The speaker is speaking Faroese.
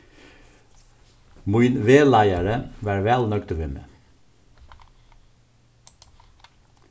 mín vegleiðari var væl nøgdur við meg